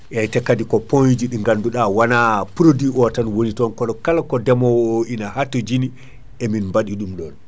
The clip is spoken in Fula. eyyi te kaadi ko point uji ɗi gandaɗa wona produit o tan woni ton koɗo kala ko deemowo o ina hatojini emin baaɗi ɗum ɗon